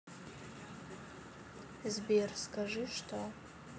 сбер расскажи что